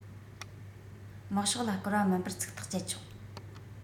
དམག ཕྱོགས ལ བསྐུར བ མིན པར ཚིག ཐག བཅད ཆོག